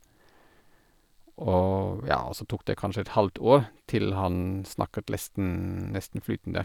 Og, ja, og så tok det kanskje et halvt år til han snakket lesten nesten flytende.